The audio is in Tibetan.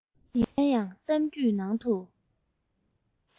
ཡིན ན ཡང གཏམ རྒྱུད ནང དུ